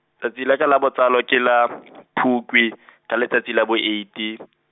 tsatsi la ka la botsalo ke la , Phukwi, ka letsatsi la bo eighty.